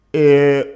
Ɛɛ